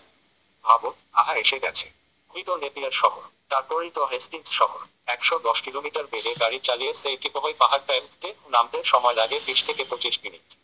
ভাবত আহা এসে গেছি ওই তো নেপিয়ার শহর তারপরই তো হেস্টিংস শহর একশ দশ কিলোমিটার বেগে গাড়ি চালিয়ে সেই টিপোহই পাহাড়টায় উঠতে ও নামতে সময় লাগে বিশ থেকে পঁচিশ মিনিট